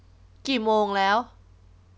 กี่โมงแล้ว